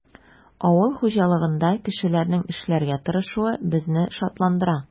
Авыл хуҗалыгында кешеләрнең эшләргә тырышуы безне шатландыра.